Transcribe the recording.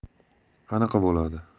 qanaqa bo'ladi